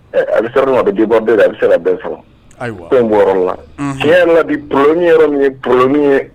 A bɛ siran ma a bɛ di bɔ bɛɛ a bɛ sera bɛ sɔrɔ ko mɔgɔyɔrɔ la si yɛrɛ la bi bolo min yɔrɔ min ye bolo min ye